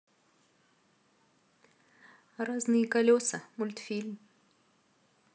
разные колеса мультфильм